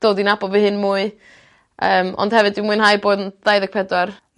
dod i nabod fy hun mwy yym ond hefyd dwi'n mwynhau bod yn dau ddeg pedwar.